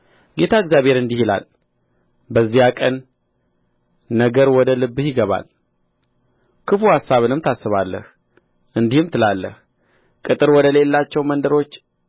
ጌታ እግዚአብሔር እንዲህ ይላል በዚያ ቀን ነገር ወደ ልብህ ይገባል ክፉ አሳብንም ታስባለህ እንዲህም ትላለህ ቅጥርን ወደሌላቸው መንደሮች